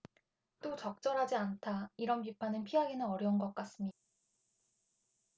또 적절하지 않다 이런 비판은 피하기는 어려울 것 같습니다